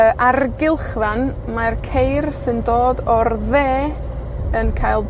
yy, ar gylchfan, mae'r ceir sy'n dod o'r dde yn cael